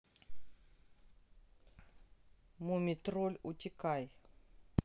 мумий тролль утекай